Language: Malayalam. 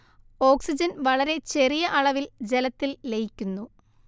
ഓക്സിജന്‍ വളരെ ചെറിയ അളവില്‍ ജലത്തില്‍ ലയിക്കുന്നു